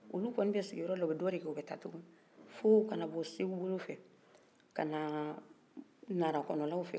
ulu kɔni tɛ sigin yɔrɔ la u bɛ dɔ de kɛ dɔrɔn ka ta kana bɔ seku bolo fɛ kana nara kɔnɔnanw fɛ